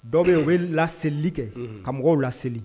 Dɔ bɛ yen o bɛ laselili kɛ, unhun, ka mɔgɔw laseli